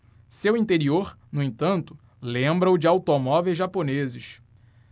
seu interior no entanto lembra o de automóveis japoneses